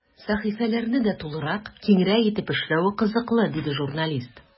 Сәхифәләрне дә тулырак, киңрәк итеп эшләве кызыклы, диде журналист.